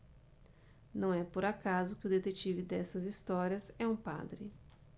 não é por acaso que o detetive dessas histórias é um padre